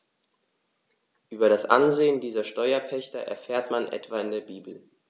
Über das Ansehen dieser Steuerpächter erfährt man etwa in der Bibel.